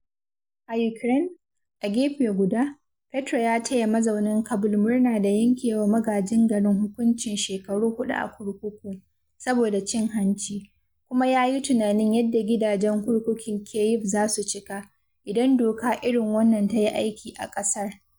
A Ukraine, a gefe guda, Petro ya taya mazaunan Kabul murna da yankewa magajin garin hukuncin shekaru huɗu a kurkuku, saboda cin hanci, kuma ya yi tunanin yadda gidajen kurkukun Kyiv zasu cika, idan doka irin wannan ta yi aiki a ƙasar.